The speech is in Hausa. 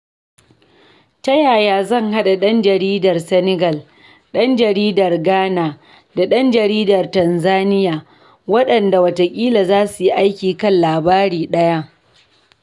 Ta yaya zan haɗa ɗan jaridar Senegal, ɗan jaridar Ghana da ɗan jaridar Tanzaniya waɗanda watakila za suyi aiki kan labari ɗaya?